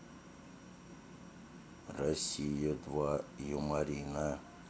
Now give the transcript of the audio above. россия два юморина